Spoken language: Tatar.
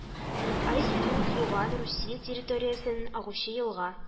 Ай-Сезынг-Юган Русия территориясеннән агучы елга